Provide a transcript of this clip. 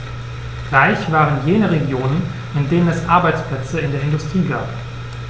Reich waren jene Regionen, in denen es Arbeitsplätze in der Industrie gab.